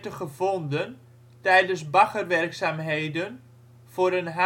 gevonden tijdens baggerwerkzaamheden voor een